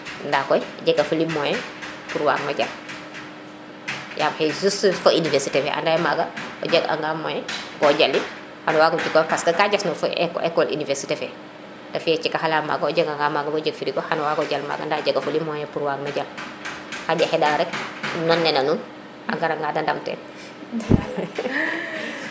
nda koy jega fulim moyen pour wag no jal yam xay juste université fe ande maga a jeg anga moyen bo jalin xano wago jikox parce :frav ka jas noor fo école université te fe a cikaxa la maga a jaga nga maga jeg frigo xano wago jal maga nda jega fulim moyen pour waag no jal xaƴa xenda rek nana na nuun a ngara nga de ndamta in